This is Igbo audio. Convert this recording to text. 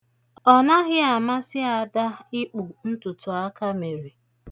Ọnaghị amasị Ada ikpu ntụtụakamere.